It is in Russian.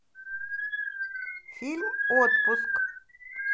фильм отпуск